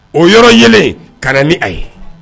O yɔrɔ ye ka ni a ye